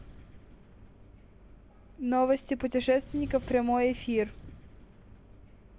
новости путешественников прямой эфир